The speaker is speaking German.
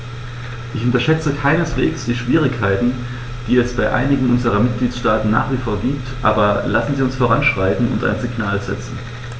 Ich unterschätze keineswegs die Schwierigkeiten, die es bei einigen unserer Mitgliedstaaten nach wie vor gibt, aber lassen Sie uns voranschreiten und ein Signal setzen.